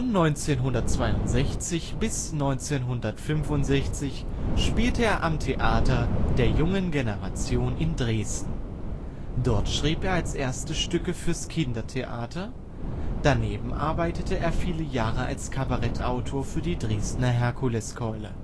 1962 bis 1965 spielte er am Theater der Jungen Generation in Dresden. Dort schrieb er erste Stücke fürs Kindertheater, daneben arbeitete er viele Jahre als Kabarett-Autor für die Dresdner Herkuleskeule